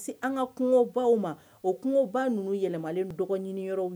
An ka kungo ma o kungobaw ninnu yɛlɛmalen dɔgɔnin ɲini yɔrɔ